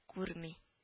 Күрми